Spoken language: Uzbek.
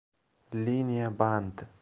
liniya band